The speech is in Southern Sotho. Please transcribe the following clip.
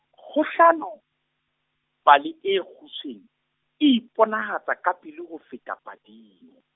kgohlano, pale e kgutshweng, e iponahatsa kapele ho feta pading.